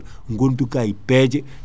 gonduka e peeje